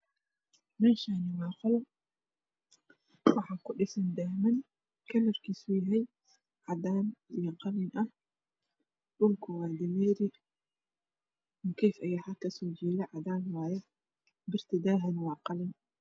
Meeshaan waa qol waxaa kudhisan daah kalarkoodu yahay cadaan iyo qalin ah dhulku waa dameeri mukeyf ayaa kuyaala oo cadaan ah. Birta daaha waa qalin.